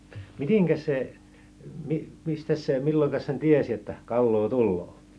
mitenkäs se - mistäs se milloinkas sen tiesi että kalaa tulee